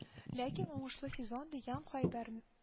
Ләкин уңышлы сезон дигән кайбәр